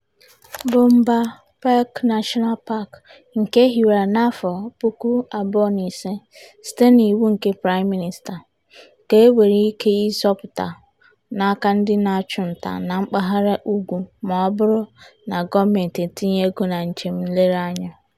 Boumba Bek National Park, nke e hiwere na 2005 site n'iwu nke Prime Minister, ka e nwere ike ịzọpụta n'aka ndị na-achụ nta na mpaghara ugwu ma ọ bụrụ na gọọmentị etinye ego na njem nlereanya.